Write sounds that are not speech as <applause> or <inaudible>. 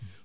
<hesitation> <hesitation>